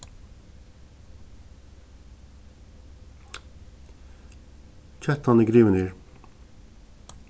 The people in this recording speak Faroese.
kettan er grivin her